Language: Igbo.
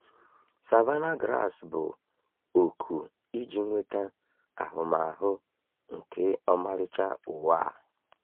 Savannah Grass bụ oku iji nweta ahụmahụ nke ọmarịcha ụwa a.